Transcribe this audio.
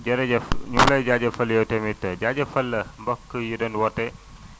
jërëjëf ñu ngi lay jaajëfal yow tamit jaajëfal mbokk yu doon woote